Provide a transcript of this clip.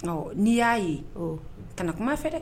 Ɔ n'i y'a ye t kuma fɛ dɛ